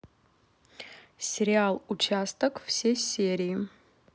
сериал участок все серии